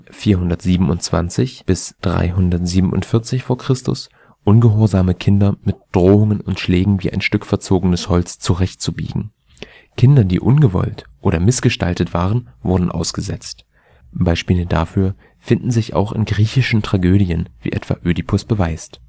427 – 347 v. Chr.), ungehorsame Kinder „ mit Drohungen und Schlägen wie ein Stück verzogenes Holz “zurechtzubiegen. Kinder, die ungewollt oder missgestaltet waren, wurden ausgesetzt. Beispiele dafür finden sich auch in griechischen Tragödien, wie etwa Ödipus beweist